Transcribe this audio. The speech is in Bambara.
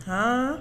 Ha